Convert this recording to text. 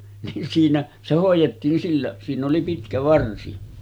niin siinä se hoidettiin sillä siinä oli pitkä varsi